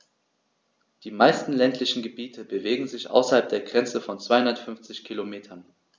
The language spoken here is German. Die meisten ländlichen Gebiete bewegen sich außerhalb der Grenze von 250 Kilometern.